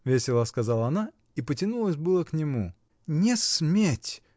— весело сказала она и потянулась было к нему. — Не сметь!